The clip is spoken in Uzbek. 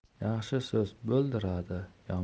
yaxshi so'z bo'ldiradi